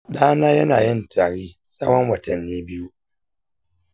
ɗana yana yin tari tsawon watanni biyu.